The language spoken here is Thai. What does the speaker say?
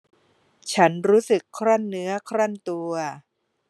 ฉันรู้สึกครั่นเนื้อครั่นตัว